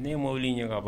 Ne ye mobili ɲɛ ka